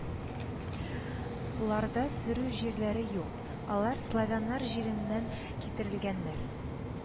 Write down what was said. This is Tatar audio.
Ларда сөрү җирләре юк, алар славяннар җиреннән китерелгәннәр